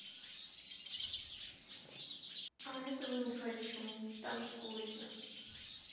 а этого не хочу там скучно